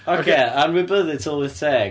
Ocê, anwybyddu tylwyth teg.